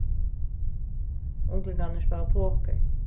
unglingarnir spæla poker